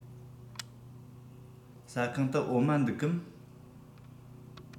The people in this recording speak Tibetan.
ཟ ཁང དུ འོ མ འདུག གམ